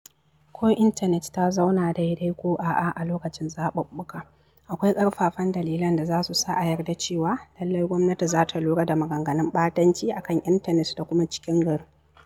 Ko intanet ta zauna daidai ko a'a a lokacin zaɓuɓɓuka, akwai ƙarfafan dalilan da za su sa a yarda cewa lallai gwamnati za ta lura da maganganun ɓatanci a kan intanet da kuma cikin gari.